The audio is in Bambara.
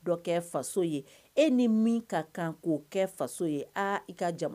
Dɔ kɛ faso ye e ni min ka kan k' o kɛ faso ye aa i ka jama